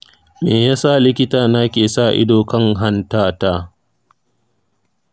me yasa likitana ke sa ido kan hanta ta?